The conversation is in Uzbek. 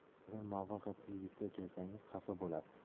agar muvaffaqiyatsizlikka uchrasangiz xafa bo'lasiz